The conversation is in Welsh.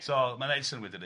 So mae'n neud synnwyr dydi.